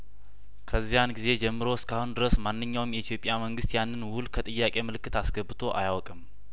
ከዚያን ጊዜ ጀምሮ እስካሁን ድረስ ማንኛውም የኢትዮጵያ መንግስት ያንን ውል ከጥያቄ ምልክት አስገብቶ አያውቅም